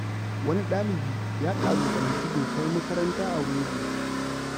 Wani ɗalibi ya ƙalubalanci dokar makarata a Weibo: